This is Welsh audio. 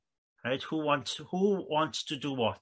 Reit who wants who wants to do what?